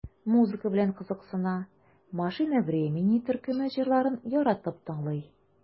Музыка белән кызыксына, "Машина времени" төркеме җырларын яратып тыңлый.